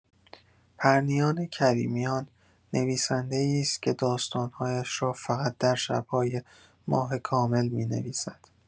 پرنیان کریمیان، نویسنده‌ای است که داستان‌هایش را فقط در شب‌های ماه کامل می‌نویسد.